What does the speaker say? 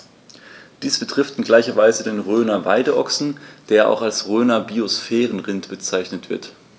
Dies betrifft in gleicher Weise den Rhöner Weideochsen, der auch als Rhöner Biosphärenrind bezeichnet wird.